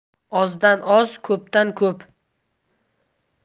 ozdan oz ko'pdan ko'p